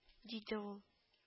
— диде ул